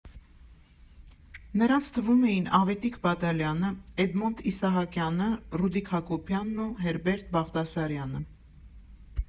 Նրանց թվում էին Ավետիք Բադալյանը, Էդմոնդ Իսահակյանը, Ռուդիկ Հակոբյանն ու Հերբերտ Բաղդասարյանը։